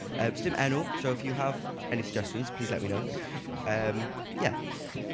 Yym sdim enw. So if you have any suggestions please let me know. Yym ie.